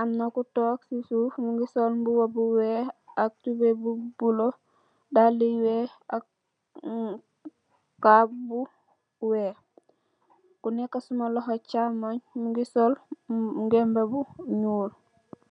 amna ku tok ci suuf, mungi sol mboba bu weex ak tubeye bu bula dalla yu weex ak cap bu weex. Ku neka suma loxo chammoy mungi sol ngemu bu ñuul.